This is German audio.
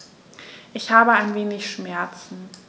Ich habe ein wenig Schmerzen.